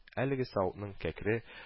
Әлеге савытның кәкре